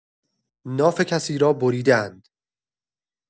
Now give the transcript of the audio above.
ناف کسی را بریده‌اند